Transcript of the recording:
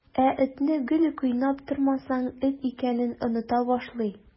Ә этне гел кыйнап тормасаң, эт икәнен оныта башлый.